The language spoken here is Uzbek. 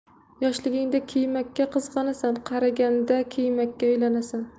yoshligingda kiymakka qizg'anasan qariganda kiymakka uyalasan